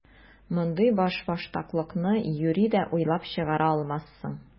Мондый башбаштаклыкны юри дә уйлап чыгара алмассың!